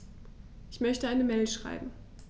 Ich möchte eine Mail schreiben.